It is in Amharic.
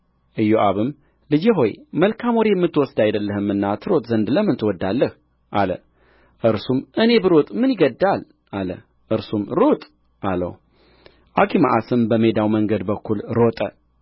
ኢዮአብም ልጄ ሆይ መልካም ወሬ የምትወስድ አይደለህምና ትሮጥ ዘንድ ለምን ትወድዳለህ አለ እርሱም እኔ ብሮጥ ምን ይገድዳል አለ እርሱም ሩጥ አለው አኪማአስም በሜዳው መንደር በኩል ሮጠ